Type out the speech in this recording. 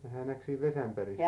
hän näki siinä vesiämpärissä